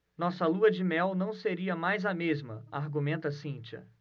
nossa lua-de-mel não seria mais a mesma argumenta cíntia